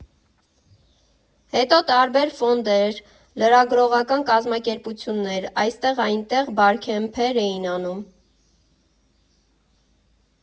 Հետո տարբեր ֆոնդեր, լրագրողական կազմակերպություններ այստեղ֊այնտեղ Բարքեմփեր էին անում։